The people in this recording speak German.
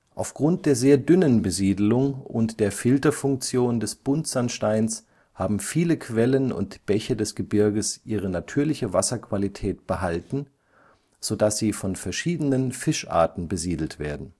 Aufgrund der sehr dünnen Besiedelung und der Filterfunktion des Buntsandsteins haben viele Quellen und Bäche des Gebirges ihre natürliche Wasserqualität behalten, so dass sie von verschiedenen Fischarten besiedelt werden